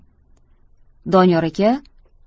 doniyor aka